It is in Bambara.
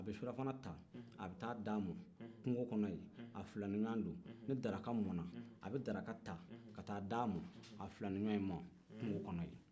a bɛ sura fana ta a bɛ taa d'a ma kungo kɔnɔ yen a filani ɲɔgɔn do ni daraka mɔna a bɛ daraka ta ka taa d'a ma a filani ɲɔgɔn in ma kunga kɔnɔ yen